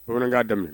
Bamanankan daminɛ